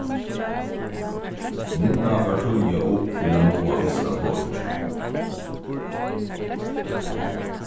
ninna fór tíðliga upp fyri at náa fyrsta tokið